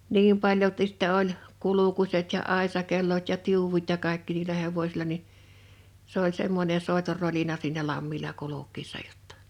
niin paljolti sitten oli kulkuset ja aisakellot ja tiu'ut ja kaikki niillä hevosilla niin se oli semmoinen soiton rolina siinä lammilla kulkiessa jotta